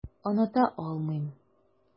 Оныта алмыйм.